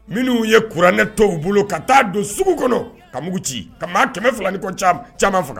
Minnu ye kuranɛ tɔw bolo ka taa don sugu kɔnɔ ka mugu c, i ka maa 200 ni kɔ caaman faga.